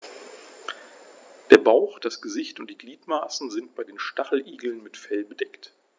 Der Bauch, das Gesicht und die Gliedmaßen sind bei den Stacheligeln mit Fell bedeckt.